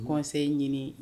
Kɔnsen ɲinin